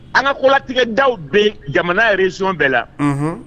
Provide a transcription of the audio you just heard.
An ka kolatigɛda bɛ jamana yɛrɛresonon bɛɛ la